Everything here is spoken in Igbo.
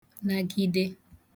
nagịde